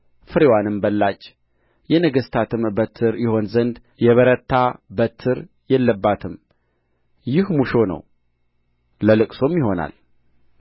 ፍሬዋንም በላች የነገሥታትም በትር ይሆን ዘንድ የበረታ በትር የለባትም ይህ ሙሾ ነው ለልቅሶም ይሆናል